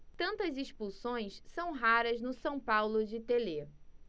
tantas expulsões são raras no são paulo de telê